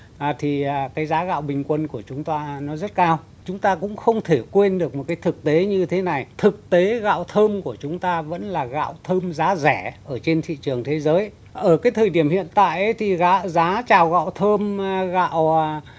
à thì cái giá gạo bình quân của chúng ta nó rất cao chúng ta cũng không thể quên được một cái thực tế như thế này thực tế gạo thơm của chúng ta vẫn là gạo thơm giá rẻ ở trên thị trường thế giới ở cái thời điểm hiện tại thì gá giá chào gạo thơm ờ gạo